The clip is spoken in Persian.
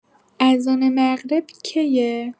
اذان مغرب کیه؟